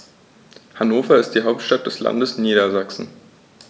Hannover ist die Hauptstadt des Landes Niedersachsen.